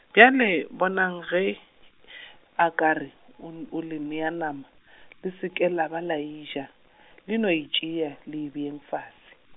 bjale bonang ge , a ka re o n-, o le nea nama, le se ka la ba la eja, le no e tšea, le beeng fase.